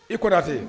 I Konate